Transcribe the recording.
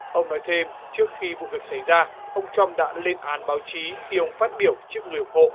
ông nói thêm trước khi vụ việc xảy ra ông trăm đã lên án báo chí khi ông phát biểu trước người ủng hộ